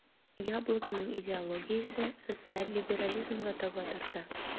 "яблоко"ның идеологиясе социаль либерализмга таба тарта.